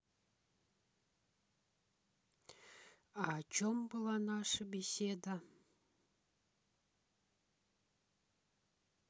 а о чем была наша беседа